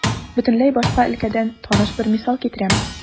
Бөтенләй башка өлкәдән таныш бер мисал китерәм.